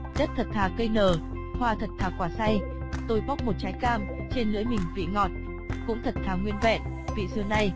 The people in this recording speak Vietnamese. đất thật thà cây nở hoa thật thà quả sây tôi bóc một trái cam trên lưỡi mình vị ngọt cũng thật thà nguyên vẹn vị xưa nay